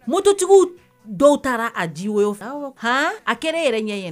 Mototigiw dɔw taara a jiwo hɔn a kɛra ne yɛrɛ ɲɛ ɲɛna